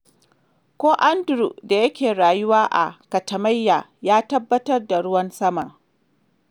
Ko Andrew da yake rayuwa a Katameyya ya tabbatar da ruwan saman!